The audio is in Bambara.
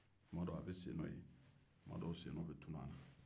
tu ma dɔw a be sennɔ ye tuma dɔw sennɔ bɛ tunu a la